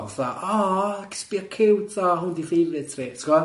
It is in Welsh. Fatha, aw, sbïa ciwt, aw, hwn di favourite fi, ti'n gwbo?